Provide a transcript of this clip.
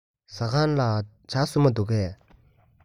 ཟ ཁང ལ ཇ སྲུབས མ འདུག གས